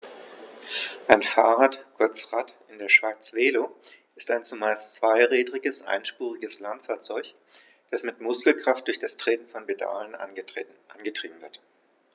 Ein Fahrrad, kurz Rad, in der Schweiz Velo, ist ein zumeist zweirädriges einspuriges Landfahrzeug, das mit Muskelkraft durch das Treten von Pedalen angetrieben wird.